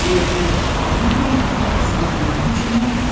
yoki bittayu bitta qiz bo'lganligi uchunmi